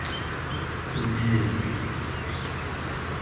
ты гей